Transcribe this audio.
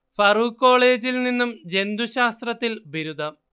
ഫറൂക്ക് കോളേജിൽ നിന്നും ജന്തുശാസ്ത്രത്തിൽ ബിരുദം